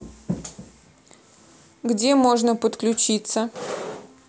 где можно подключиться